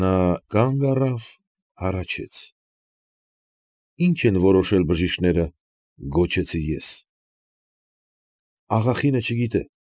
Նա կանգ առավ, հառաչեց։ ֊ Ի՞նչ են որոշել բժիշկները, ֊ գոչեցի ես։ ֊ Աղախինը չգիտե։